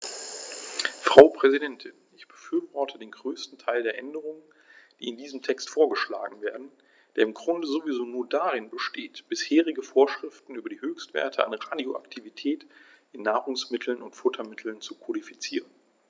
Frau Präsidentin, ich befürworte den größten Teil der Änderungen, die in diesem Text vorgeschlagen werden, der im Grunde sowieso nur darin besteht, bisherige Vorschriften über die Höchstwerte an Radioaktivität in Nahrungsmitteln und Futtermitteln zu kodifizieren.